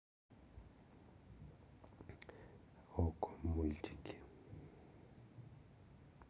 окко мультики